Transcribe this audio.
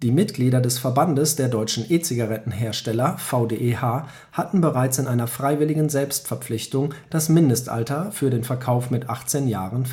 Mitglieder des Verbands der deutschen E-Zigarettenhersteller (VdeH) hatten bereits in einer freiwilligen Selbstverpflichtung das Mindestalter für den Verkauf mit 18 Jahren